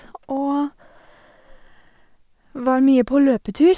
Og var mye på løpetur.